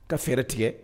Ka fɛɛrɛ tigɛ.